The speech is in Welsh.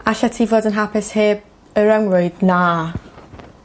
Allet ti fod yn hapus heb y ryngrwyd? Na.